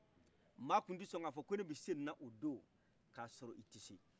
maa tun ti sɔn k'a fɔ ko ne bisenina o do kasɔ i tese